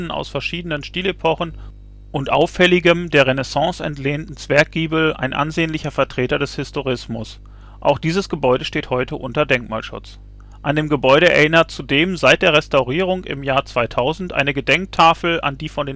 aus verschiedenen Stilepochen und auffälligem, der Renaissance entlehnten Zwerggiebel ein ansehnlicher Vertreter des Historismus – auch dieses Gebäude steht heute unter Denkmalschutz. An dem Gebäude erinnert zudem seit der Restaurierung im Jahr 2000 eine Gedenktafel an die von